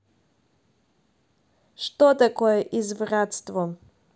что такое извратство